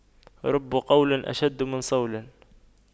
رب قول أشد من صول